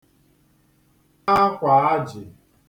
akwāājị̀